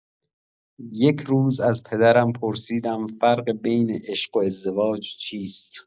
یک روز از پدرم پرسیدم فرق بین عشق و ازدواج چیست؟